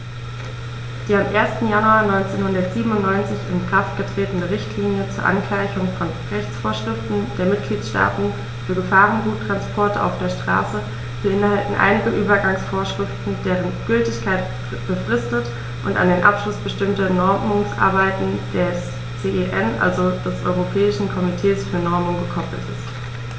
Die am 1. Januar 1997 in Kraft getretene Richtlinie zur Angleichung von Rechtsvorschriften der Mitgliedstaaten für Gefahrguttransporte auf der Straße beinhaltet einige Übergangsvorschriften, deren Gültigkeit befristet und an den Abschluss bestimmter Normungsarbeiten des CEN, also des Europäischen Komitees für Normung, gekoppelt ist.